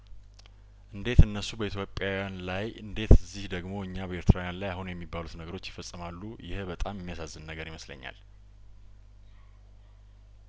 እንዴት እነሱ በኢትዮጵያውያን ላይ እንዴት እዚህ ደግሞ እኛ በኤርትራውያን ላይ አሁን የሚባሉት ነገሮች ይፈጸማሉ ይኸ በጣም የሚያሳዝን ነገር ይመስለኛል